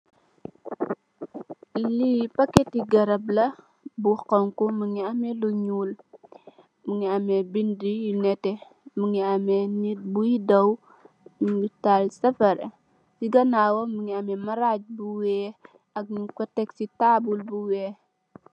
Lii paket garap la bu koku mu gi amhe lu nuul bende u nete am net buyi dawoo mu gi tala cafarr ci ganaw wam mu gi amhe marrji bu wax ak ng fa tak tabul bu wax.